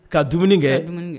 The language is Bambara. Ka dumuni kɛ ka dumuni kɛ